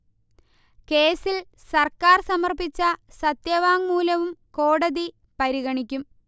കേസിൽ സർക്കാർ സമർപ്പിച്ച സത്യവാങ്മൂലവും കോടതി പരിഗണിക്കും